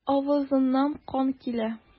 Авызыннан кан килә.